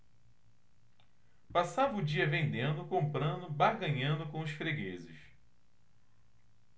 passava o dia vendendo comprando barganhando com os fregueses